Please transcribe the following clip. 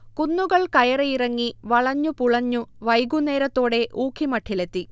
കുന്നുകൾ കയറിയിറങ്ങി, വളഞ്ഞു പുളഞ്ഞു വൈകുന്നേരത്തോടെ ഊഖിമഠീലെത്തി